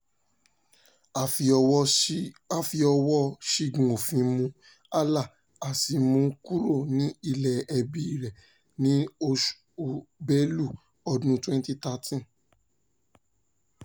A fi ọwọ́ọ ṣìgún òfin mú Alaa a sì mú u kúrò ní ilé ẹbíi rẹ̀ nínú oṣù Belu ọdún 2013.